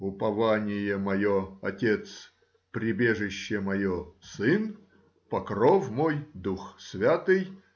упование мое — Отец, прибежище мое — Сын, покров мой — Дух Святый